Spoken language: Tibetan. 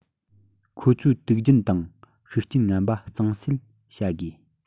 ཁོ ཚོའི དུག རྒྱུན དང ཤུགས རྐྱེན ངན པ གཙང སེལ བྱ དགོས